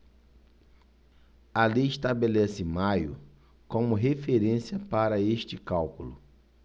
a lei estabelece maio como referência para este cálculo